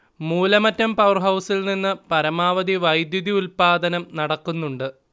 മൂലമറ്റം പവർഹൗസിൽ നിന്ന് പരമാവധി വൈദ്യുതി ഉൽപാദനം നടക്കുന്നുണ്ട്